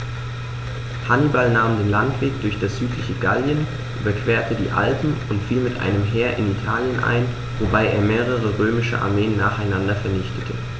Hannibal nahm den Landweg durch das südliche Gallien, überquerte die Alpen und fiel mit einem Heer in Italien ein, wobei er mehrere römische Armeen nacheinander vernichtete.